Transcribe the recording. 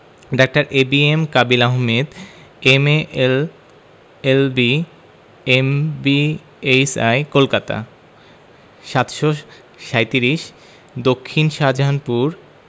ডাঃ A B M Kabil Ahmed M A L L B M B H I Kolkata ৭৩৭ দক্ষিন শাহজাহানপুর